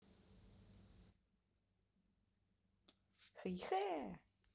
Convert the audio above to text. хэйхэ